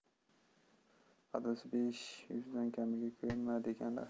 adasi besh yuzdan kamiga ko'nma deganlar